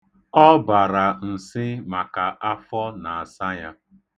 Ọ bara nsị maka afọ na-asa ya.